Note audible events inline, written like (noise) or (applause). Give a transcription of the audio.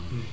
(hesitation) (hesitation)